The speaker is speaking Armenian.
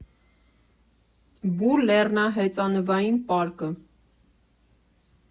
Բու լեռնահեծանվային պարկը։